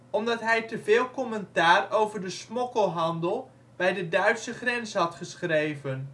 omdat hij te veel commentaar over de smokkelhandel bij de Duitse grens had geschreven